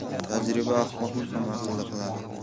tajriba ahmoqni ham aqlli qiladi